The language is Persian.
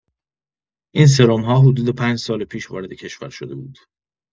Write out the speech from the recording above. این سرم‌ها حدود پنج سال پیش وارد کشور شده بود.